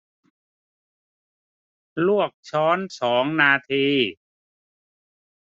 ลวกช้อนสองนาที